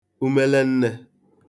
umelennē